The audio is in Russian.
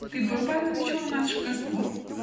"Ты был, барин, вечор у наших господ?